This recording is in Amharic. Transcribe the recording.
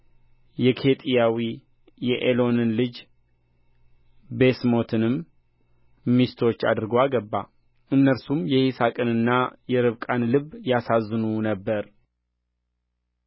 የኬጢያዊ የኤሎንን ልጅ ቤሴሞትንም ሚስቶች አድርጎ አገባ እነርሱም የይስሐቅንና የርብቃን ልብ ያሳዝኑ ነበር